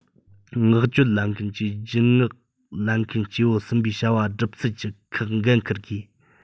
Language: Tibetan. མངགས བཅོལ ལེན མཁན གྱིས བརྒྱུད མངག ལེན མཁན སྐྱེ བོ གསུམ པའི བྱ བ སྒྲུབ ཚུལ གྱི ཁག འགན འཁུར དགོས